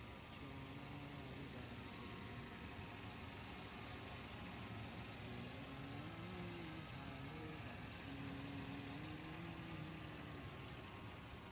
সোনার বাংলা আমি তোমায় ভালোবাসি